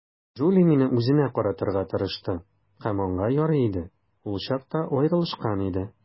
Джули мине үзенә каратырга тырышты, һәм аңа ярый иде - ул чакта аерылышкан иде.